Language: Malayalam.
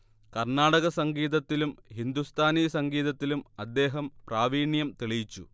കർണാടക സംഗീതത്തിലും ഹിന്ദുസ്ഥാനി സംഗീതത്തിലും അദ്ദേഹം പ്രാവീണ്യം തെളിയിച്ചു